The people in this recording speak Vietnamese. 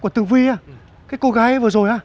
của tường vy à cái cô gái vừa rồi á